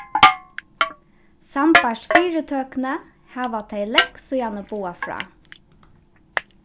sambært fyritøkuni hava tey langt síðani boðað frá